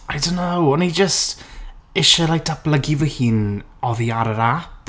I don't know. O'n i jyst isie like datblygu fy hun oddi ar yr ap.